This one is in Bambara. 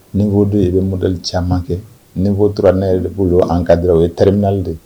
Ni'o de i bɛ modali caman kɛ ni'oura ne yɛrɛ de b'o ye an kadi o ye terimli de